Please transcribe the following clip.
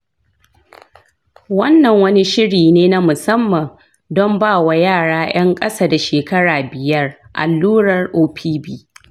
wannan wani shiri ne na musamman don ba wa yara 'yan ƙasa da shekara biyar allurar opv.